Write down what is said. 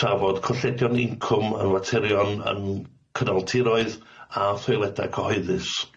trafod colledion incwm yn faterion yn cynal tiroedd a thoiledau cyhoeddus.